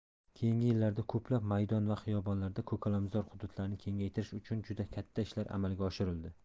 keyingi yillarda ko'plab maydon va xiyobonlarda ko'kalamzor hududlarni kengaytirish uchun juda katta ishlar amalga oshirildi